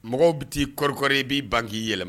Mɔgɔw bi ti kɔrikɔri i bi ban ki yɛlɛma.